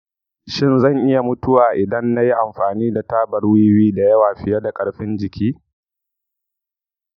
shin zan iya mutuwa idan nayi amfani da tabar wiwi da yawa fiye da ƙarfin jiki?